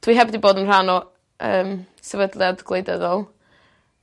Dwi heb 'di bod yn rhan o yym sefydliad gwleidyddol.